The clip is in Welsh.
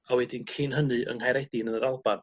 A wedyn cyn hynny yng Nghaeredin y yn yr Alban.